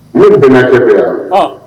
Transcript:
Mori bɛna kɛ bi yan